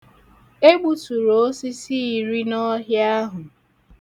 E gbuturu osisi iri n'ọhịa ahụ.